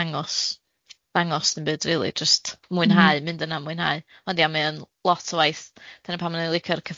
dangos dim byd rili, jyst mwynhau, mynd yna a mwynhau. Ond ia mauo'n lot o waith, dyna pan o'n i'n licio'r ceffyla